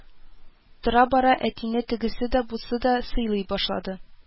Тора-бара әтине тегесе дә, бусы да сыйлый башлады